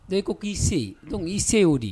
Dɔw ko k'i se dɔnc i se oo di